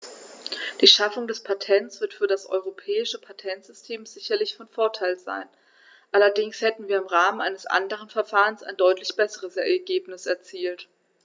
Die Schaffung des Patents wird für das europäische Patentsystem sicherlich von Vorteil sein, allerdings hätten wir im Rahmen eines anderen Verfahrens ein deutlich besseres Ergebnis erzielt.